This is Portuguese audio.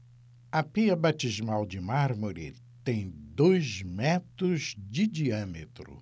a pia batismal de mármore tem dois metros de diâmetro